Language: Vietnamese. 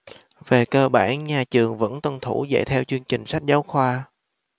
về cơ bản nhà trường vẫn tuân thủ dạy theo chương trình sách giáo khoa